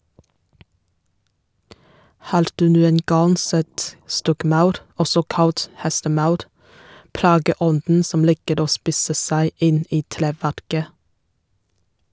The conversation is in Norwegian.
Har du noen gang sett stokkmaur, også kalt hestemaur, plageånden som liker å spise seg inn i treverket?